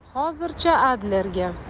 hozircha adlerga